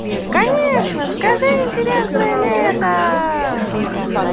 конечно скажи интересное лето